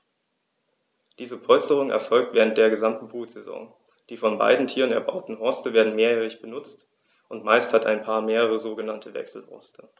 Diese Polsterung erfolgt während der gesamten Brutsaison. Die von beiden Tieren erbauten Horste werden mehrjährig benutzt, und meist hat ein Paar mehrere sogenannte Wechselhorste.